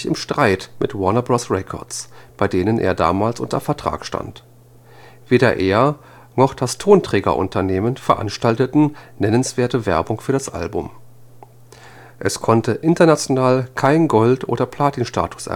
Streit mit Warner Bros. Records, bei denen er damals unter Vertrag stand. Weder er noch das Tonträgerunternehmen veranstalteten nennenswerte Werbung für das Album. Es konnte international keinen Gold - oder Platinstatus